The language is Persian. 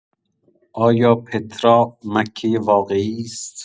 آیا پترا مکه واقعی است؟